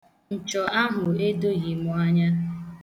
Nchọ ahụ edoghị mụ anya.